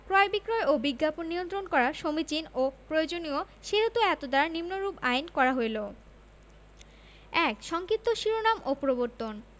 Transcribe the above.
ক্রয় বিক্রয় ও বিজ্ঞাপন নিয়ন্ত্রণ করা সমীচীন ও প্রয়োজনীয় সেহেতু এতদ্বারা নিম্নরূপ আইন করা হইল ১ সংক্ষিপ্ত শিরোনাম ও প্রবর্তন